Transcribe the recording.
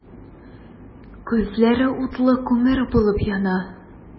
Күзләре утлы күмер булып яна.